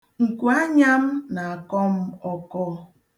Nkuanya m na-akọ m ọkọ.